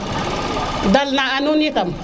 dal na a nuun i tam